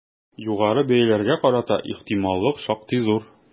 Югары бәяләргә карата ихтималлык шактый зур.